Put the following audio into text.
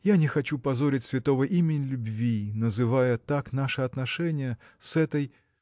– я не хочу позорить святого имени любви называя так наши отношения с этой.